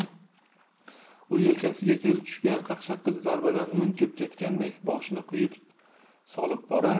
u yelkasiga kelib tushgan qaqshatqich zarbadan munkib ketganday boshini quyi solib borar